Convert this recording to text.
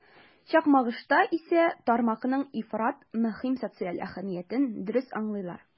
Чакмагышта исә тармакның ифрат мөһим социаль әһәмиятен дөрес аңлыйлар.